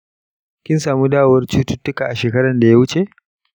kin samu dawowan cututtuka a shekaran da ya wuce?